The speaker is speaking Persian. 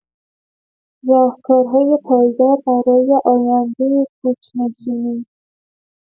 راهکارهای پایدار برای آینده کوچ‌نشینی